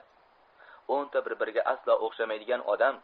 o'nta bir biriga aslo o'xshamaydigan odam